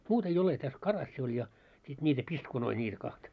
muuta ei ole tässä karassi oli ja sitten niitä piskunoita niitä kahta